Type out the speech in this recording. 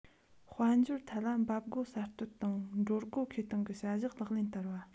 དཔལ འབྱོར ཐད ལ འབབ སྒོ གསར གཏོད དང འགྲོ སྒོ མཁས གཏོང གི བྱ གཞག ལག ལེན བསྟར བ